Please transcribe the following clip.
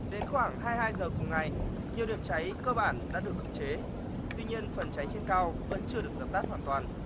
đến khoảng hai hai giờ cùng ngày nhiều điểm cháy cơ bản đã được khống chế tuy nhiên phần cháy trên cao vẫn chưa được dập tắt hoàn toàn